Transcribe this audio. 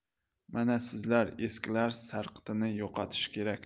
mana sizlar eskilik sarqitini yo'qotish kerak